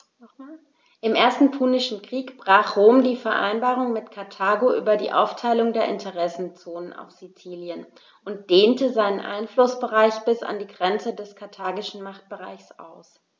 Im Ersten Punischen Krieg brach Rom die Vereinbarung mit Karthago über die Aufteilung der Interessenzonen auf Sizilien und dehnte seinen Einflussbereich bis an die Grenze des karthagischen Machtbereichs aus.